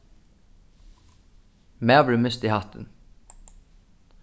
maðurin misti hattin